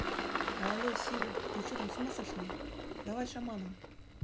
але сири ты че там с ума сошла давай шаманом